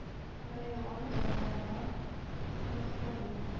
Кара елан ялына башлады.